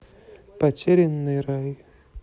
потерянный рай